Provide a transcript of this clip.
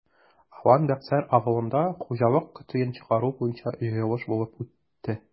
Алан-Бәксәр авылында хуҗалык көтүен чыгару буенча җыелыш булып үтте.